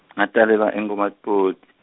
ngatalelwa eng- Komatipoort.